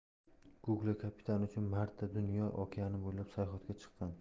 google kapitani uch marta dunyo okeani bo'ylab sayohatga chiqqan